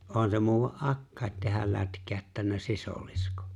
on se muuan akkakin tehdä lätkäyttänyt sisiliskon